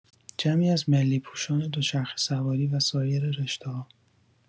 جمعی از ملی‌پوشان دوچرخه‌سواری و سایر رشته‌ها